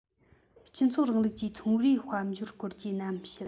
སྤྱི ཚོགས རིང ལུགས ཀྱི ཚོང རའི དཔལ འབྱོར སྐོར གྱི རྣམ བཤད